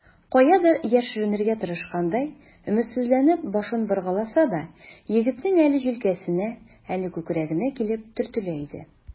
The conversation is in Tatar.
Каядыр яшеренергә тырышкандай, өметсезләнеп башын боргаласа да, егетнең әле җилкәсенә, әле күкрәгенә килеп төртелә иде.